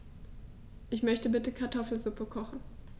Ich möchte bitte Kartoffelsuppe kochen.